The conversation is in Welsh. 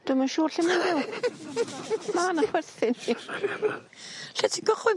Dwi'm yn siŵr lle ma'n byw. Ma' 'na chwerthin 'lly. Lle ti'n gychwyn...